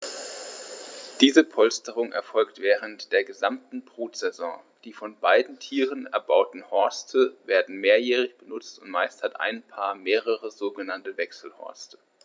Diese Polsterung erfolgt während der gesamten Brutsaison. Die von beiden Tieren erbauten Horste werden mehrjährig benutzt, und meist hat ein Paar mehrere sogenannte Wechselhorste.